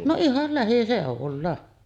no ihan lähiseudulla